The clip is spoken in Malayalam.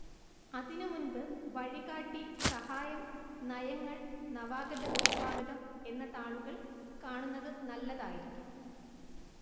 അതിനുമുൻപ്‌ വഴികാട്ടി, സഹായം, നയങ്ങൾ, നവാഗതർക്ക്‌ സ്വാഗതം എന്ന താളുകൾ കാണുന്നത്‌ നല്ലതായിരിക്കും